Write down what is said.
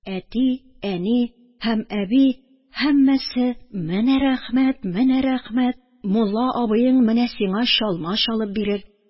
Әти, әни һәм әби, һәммәсе: – Менә рәхмәт, менә рәхмәт, мулла абыең менә сиңа чалма чалып бирер